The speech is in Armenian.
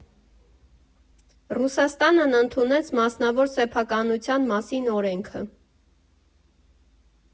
Ռուսաստանն ընդունեց մասնավոր սեփականության մասին օրենքը։